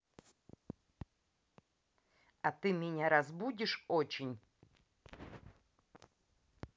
а ты меня разбудишь очень